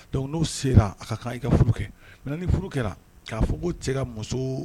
Donc n'o sera a ka kan i ka furu kɛ, maintenant ni furu kɛra k'a fɔ ko cɛ ka muso